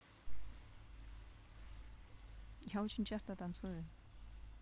я очень часто танцую